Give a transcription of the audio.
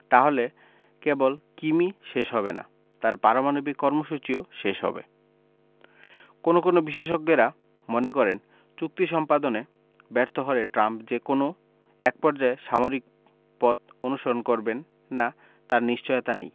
তাহলে কেবল কিমই শেষ হবে না তাঁর পারমাণবিক কর্মসূচিও শেষ হবে কোনো কোনো বিশেষজ্ঞেরা মনে করেন চুক্তি সম্পাদনে ব্যর্থ হলে ট্রাম্প যে কোনো একপর্যায়ে সামরিক পথ অনুসরণ করবেন না তার নিশ্চয়তা নেই